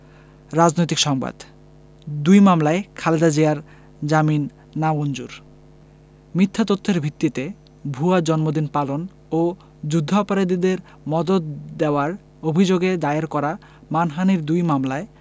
রাজনৈতিক সংবাদ দুই মামলায় খালেদা জিয়ার জামিন নামঞ্জুর মিথ্যা তথ্যের ভিত্তিতে ভুয়া জন্মদিন পালন ও যুদ্ধাপরাধীদের মদদ দেওয়ার অভিযোগে দায়ের করা মানহানির দুই মামলায়